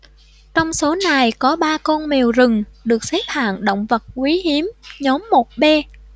trong số này có ba con mèo rừng được xếp hạng động vật quý hiếm nhóm một b